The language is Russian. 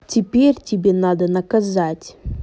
теперь тебе надо наказать